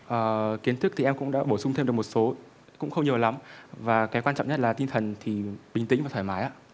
ờ kiến thức thì em cũng đã bổ sung thêm được một số cũng không nhiều lắm và cái quan trọng nhất là tinh thần thì bình tĩnh và thoải mái ạ